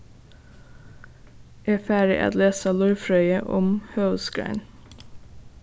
eg fari at lesa lívfrøði um høvuðsgrein